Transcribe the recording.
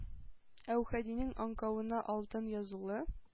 Әүхәдинең аңкавына алтын язулы